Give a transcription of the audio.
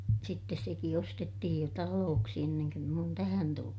sitten sekin ostettiin jo taloksi ennen kuin minä olen tähän tullut